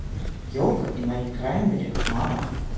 елка и мари краймбрери мама